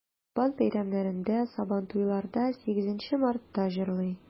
Корбан бәйрәмнәрендә, Сабантуйларда, 8 Мартта җырлый.